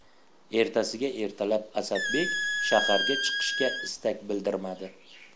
ertasiga ertalab asadbek shaharga chiqishga istak bildirmadi